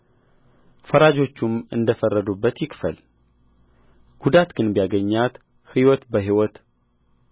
ፈራጆቹም እንደ ፈረዱበት ይክፈል ጕዳት ግን ቢያገኛት ሕይወት በሕይወት